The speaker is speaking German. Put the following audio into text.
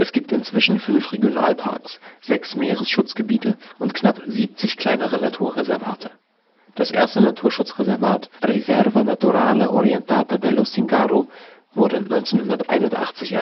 gibt inzwischen fünf Regionalparks, sechs Meeresschutzgebiete und knapp 70 kleinere Naturreservate. Das erste Naturschutzreservat Riserva naturale orientata dello Zingaro wurde 1981